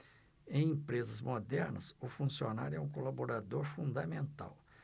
em empresas modernas o funcionário é um colaborador fundamental